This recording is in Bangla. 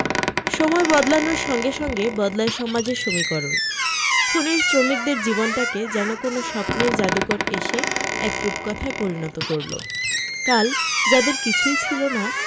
সময় বদলানোর সঙ্গে সঙ্গে বদলায় সমাজের সমীকরণ খনির শ্রমিকদের জীবনটাকে যেন কোনো স্বপ্নের যাদুকর এসে এক রূপকথায় পরিণত করল কাল যাদের কিছুই ছিল না